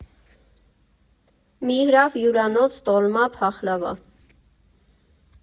Միրհավ Հյուրանոց տոլմա, փախլավա։